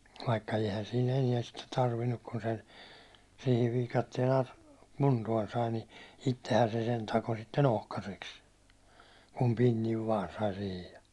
vaikka eihän siinä enää sitten tarvinnut kun se siihen viikatteen - kuntoon sai niin itsehän se sen takoi sitten ohkaiseksi kun pinnin vain sai siihen ja